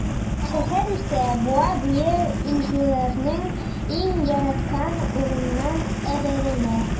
Шәһәр үсә, буа буе ижауларның иң яраткан урынына әверелә.